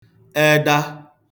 ẹda